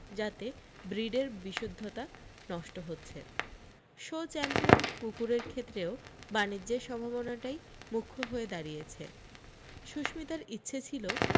যাতে ব্রিডের বিশুদ্ধতা নষ্ট হচ্ছে শো চ্যাম্পিয়ন কুকুরের ক্ষেত্রেও বানিজ্যের সম্ভাবনাটাই মুখ্য হয়ে দাঁড়িয়েছে সুস্মিতার ইচ্ছে ছিল